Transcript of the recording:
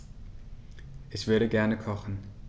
Ich würde gerne kochen.